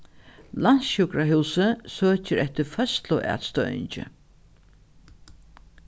landssjúkrahúsið søkir eftir føðsluatstøðingi